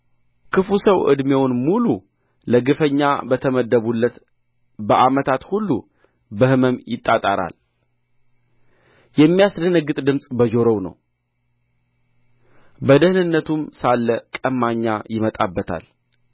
ክፉ ሰው ዕድሜውን ሙሉ ከግፈኛ በተመደቡለት በዓመታት ሁሉ በሕመም ይጣጣራል የሚያስደነግጥ ድምፅ በጆሮው ነው በደኅንነቱም ሳለ ቀማኛ ይመጣበታል